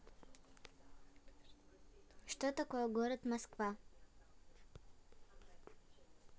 что такое город москва